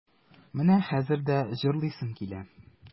Менә хәзер дә җырлыйсым килә.